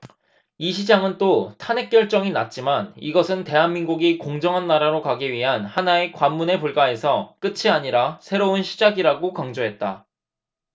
이 시장은 또 탄핵 결정이 났지만 이것은 대한민국이 공정한 나라로 가기 위한 하나의 관문에 불과해서 끝이 아니라 새로운 시작이라고 강조했다